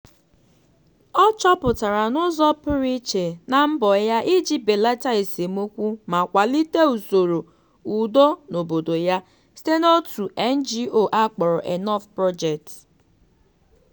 Ọ chọpụtara n'ụzọ pụrụ iche na mbọ ya iji belata esemokwu ma kwalite usoro udo n'obodo ya site n'òtù NGO a kpọrọ Enough Project.